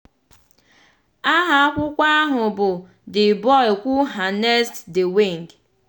Aha akwụkwọ ahụ bụ The Boy who Harnessed the Wind.